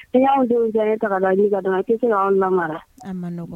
N'i y'anw denw diya an ye ta k'a da an nin ka i tɛ se ka anw lamara!